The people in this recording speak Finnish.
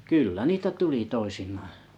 kyllä niitä tuli toisinaan